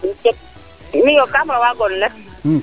miyo kam rawa gonle